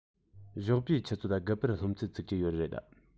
ཞོགས པའི ཆུ ཚོད དགུ པར སློབ ཚན ཚུགས ཀྱི ཡོད རེད